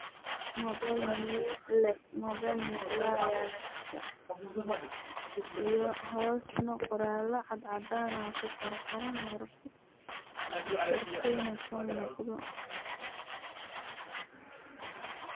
Waa moobel niicla ah